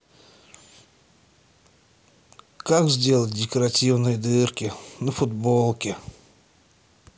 как сделать декоративные дырки на футболке